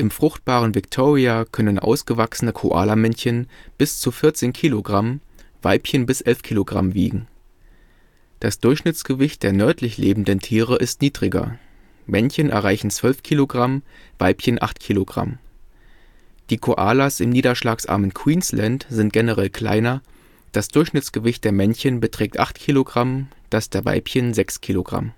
fruchtbaren Victoria können ausgewachsene Koalamännchen bis zu 14 kg, Weibchen bis 11 kg wiegen. Das Durchschnittsgewicht der nördlich lebenden Tiere ist niedriger: Männchen erreichen 12 kg, Weibchen 8 kg. Die Koalas im niederschlagsarmen Queensland sind generell kleiner, das Durchschnittsgewicht der Männchen beträgt 8 kg, das der Weibchen 6 kg